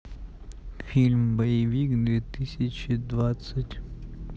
фильм боевик две тысячи двадцать